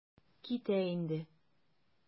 Китә инде.